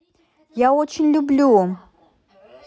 я очень люблю